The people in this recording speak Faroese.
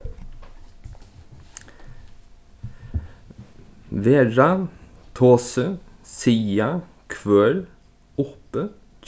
vera tosi siga hvør uppi